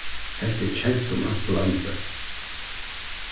hetta er kent um landið alt